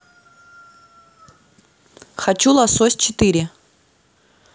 хочу лосось четыре